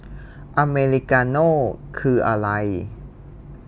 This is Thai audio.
อเมริกาโน่คืออะไร